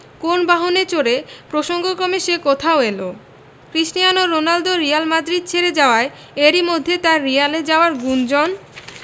কোন বাহনে চড়ে প্রসঙ্গক্রমে সে কথাও এল ক্রিস্টিয়ানো রোনালদো রিয়াল মাদ্রিদ ছেড়ে যাওয়ায় এরই মধ্যে তাঁর রিয়ালে যাওয়ার গুঞ্জন